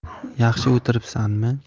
yaxshi o'tiribsanmi